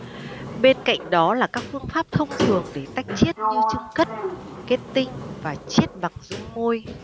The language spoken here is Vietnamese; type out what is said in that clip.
bên cạnh đó là các phương pháp thông thường để tách chiết như chưng cất kết tinh và chiết bằng dung môi